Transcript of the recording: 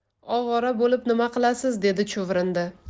ovora bo'lib nima qilasiz dedi chuvrindi